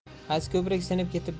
qaysi ko'prik sinib ketib